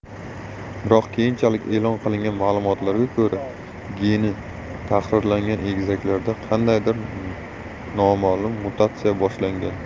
biroq keyinchalik e'lon qilingan ma'lumotlarga ko'ra geni tahrirlangan egizaklarda qandaydir noma'lum mutatsiya boshlangan